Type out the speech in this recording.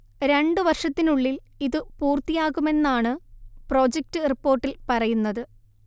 രണ്ടു വർഷത്തിനുള്ളിൽ ഇതു പൂർത്തിയാകുമെന്നാണ് പ്രൊജക്റ്റ് റിപ്പോർട്ടിൽ പറയുന്നത്